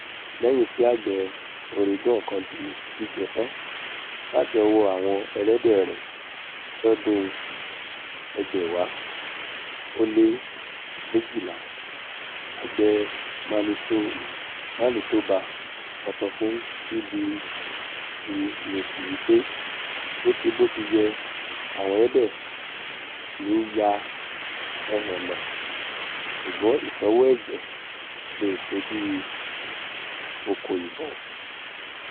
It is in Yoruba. Lẹ́yìn tí àgbẹ̀ Oregon kan di jíjẹ tán láti ọwọ́ àwọn ẹlẹ́dẹ̀ rẹ̀ lọ́dún 2012, àgbẹ̀ Manitoba kan sọ fún CBC News wí pé níti bótiyẹ àwọn ẹlẹ́dẹ̀ kìí ya ẹhànnà ṣùgbọ́n ìtọ́wò ẹ̀jẹ̀ leè ṣe bíi ''okó ìbọn.''